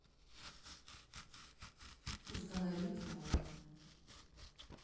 установить мой